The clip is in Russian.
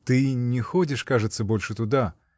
— Ты. не ходишь, кажется, больше туда?